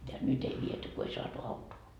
ja nyt ei viety kun ei saatu autoa